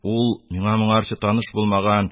Ул миңа моңарчы таныш булмаган